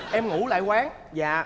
em ngủ lại quán dạ